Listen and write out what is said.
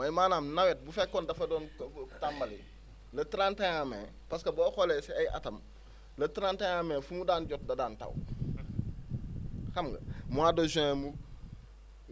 mooy maanaam nawet bu fekkoon dafa doon doog a tàmbali le trente et un mai parce que boo xoolee si ay atam le trente et un mai fu mu daan jot da daan taw xam nga mois de juin mu